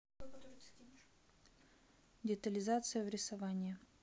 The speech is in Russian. детализация в рисование